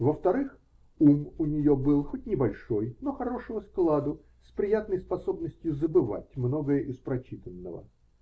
во-вторых, ум у нее был хоть небольшой, но хорошего складу, с приятной способностью забывать многое из прочитанного.